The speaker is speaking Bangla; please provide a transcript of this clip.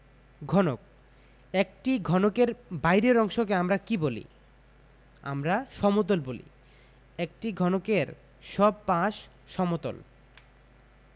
ঘনকঃ একটি ঘনকের বাইরের অংশকে আমরা কী বলি আমরা সমতল বলি একটি ঘনকের সব পাশ সমতল